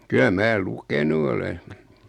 kyllä minä lukenut olen